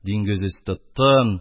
Диңгез өсте тын,